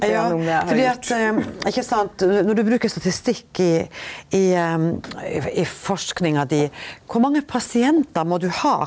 ja fordi at ikkje sant når du bruker statistikk i i i forskinga di, kor mange pasientar må du ha?